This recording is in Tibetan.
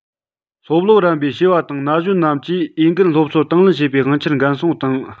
སློབ ལོ རན པའི བྱིས པ དང ན གཞོན རྣམས ཀྱི འོས འགན སློབ གསོ དང ལེན བྱེད པའི དབང ཆར འགན སྲུང དང